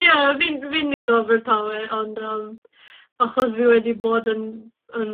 ie, fid fynd gofrotawe, ond nd achos fi wedi bod yn yn